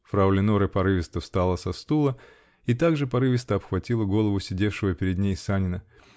-- Фрау Леноре порывисто встала со стула и так же порывисто обхватила голову сидевшего перед ней Санина .